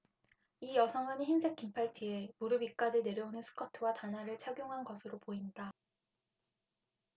이 여성은 흰색 긴팔 티에 무릎 위까지 내려오는 스커트와 단화를 착용한 것으로 보인다